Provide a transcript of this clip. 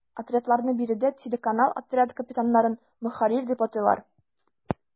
Отрядларны биредә “телеканал”, отряд капитаннарын “ мөхәррир” дип атыйлар.